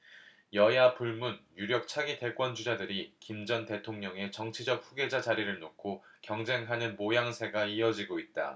여야 불문 유력 차기 대권주자들이 김 전 대통령의 정치적 후계자 자리를 놓고 경쟁하는 모양새가 이어지고 있다